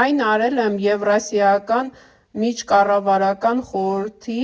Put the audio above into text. Այն արել եմ Եվրասիական միջկառավարական խորհրդի